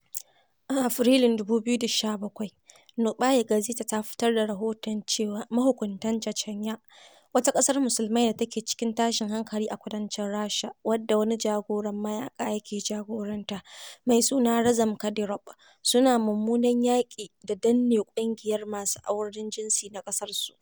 A Afrilun 2017, Noɓaya Gazeta ta fitar da rahoton cewa mahukuntan Chechnya, wata ƙasar Musulmai da take cikin tashin hankali a kudancin Rasha, wadda wani jagoran mayaƙa yake jagoranta mai suna Ramzan Kadyroɓ, suna mummunan yaƙi da danne ƙungiyar masu auren jinsi na ƙasarsu.